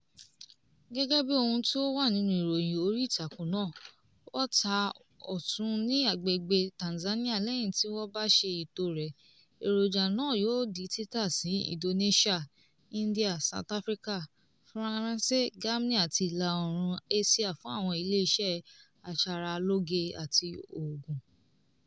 Gẹ́gẹ́ bí ohun tí ó wà nínú ìròyìn orí ìtàkùn náà, wọ́n ń ta osùn ní agbègbè Tanzania lẹ́yìn tí wọ́n bá ṣe ètò rẹ̀, èròjà náà yóò di títa "sí Indonesia, India, South Africa, France, Germany àti ìlà oòrùn Asia fún àwọn ilé iṣẹ́ aṣaralóge àti oògùn".